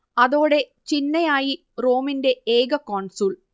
അതോടേ ചിന്നയായി റോമിന്റെ ഏക കോൺസുൾ